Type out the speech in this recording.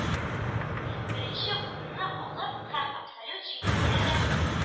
Беренче урынны алып һәм абсолют җиңүгә дә